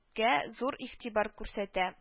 Гә зур игътибар күрсәтә